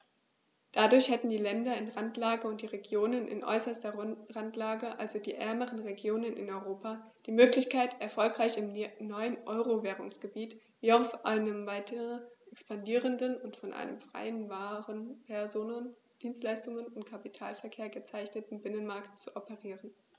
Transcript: Dadurch hätten die Länder in Randlage und die Regionen in äußerster Randlage, also die ärmeren Regionen in Europa, die Möglichkeit, erfolgreich im neuen Euro-Währungsgebiet wie auch auf einem weiter expandierenden und von einem freien Waren-, Personen-, Dienstleistungs- und Kapitalverkehr gekennzeichneten Binnenmarkt zu operieren.